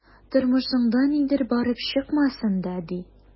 Тормышында нидер барып чыкмасын да, ди...